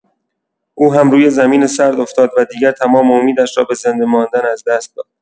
او هم روی زمین سرد افتاد و دیگر تمام امیدش را به زنده‌ماندن از دست داد.